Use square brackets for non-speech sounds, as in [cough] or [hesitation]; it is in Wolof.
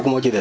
[hesitation] [hesitation]